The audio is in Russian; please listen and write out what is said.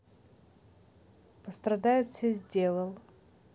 пострадают все сделал